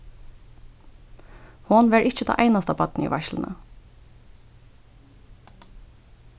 hon var ikki tað einasta barnið í veitsluni